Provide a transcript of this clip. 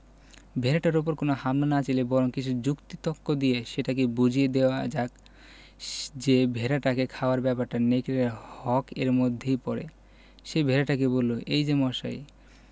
ভেড়াটার উপর কোন হামলা না চালিয়ে বরং কিছু যুক্তি তক্ক দিয়ে সেটাকে বুঝিয়ে দেওয়া যাক যে ভেড়াটাকে খাওয়ার ব্যাপারটা নেকড়ের হক এর মধ্যেই পড়ে সে ভেড়াটাকে বলল এই যে মশাই